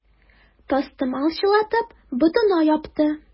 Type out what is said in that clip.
Тастымал чылатып, ботына япты.